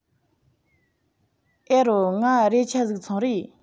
ཨེ རོ ངའ རས ཁྱ ཟིག ཚོང རེས